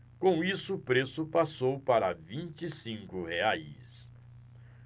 com isso o preço passou para vinte e cinco reais